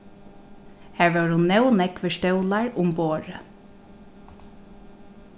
har vóru nóg nógvir stólar um borðið